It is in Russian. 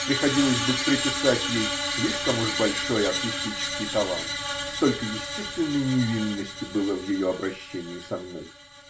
Приходилось бы приписать ей слишком уж большой артистический талант -- столько естественной невинности было в ее обращении со мной.